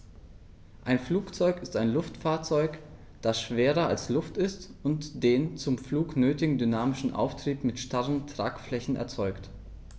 Ein Flugzeug ist ein Luftfahrzeug, das schwerer als Luft ist und den zum Flug nötigen dynamischen Auftrieb mit starren Tragflächen erzeugt.